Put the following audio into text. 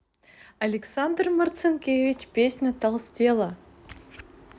александр марцинкевич песня толстела